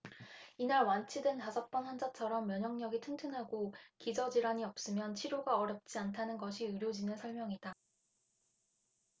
이날 완치된 다섯 번 환자처럼 면역력이 튼튼하고 기저 질환이 없으면 치료가 어렵지 않다는 것이 의료진의 설명이다